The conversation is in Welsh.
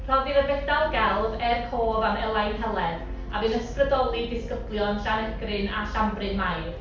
Rhoddir y fedal Gelf er cof am Elain Helen a fu'n ysbrydoli disgyblion Llanegryn a Llanbrynmair.